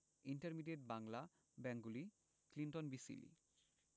intermediate Bangla Bengali Clinton B Seely